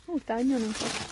Ww, dau nionyn.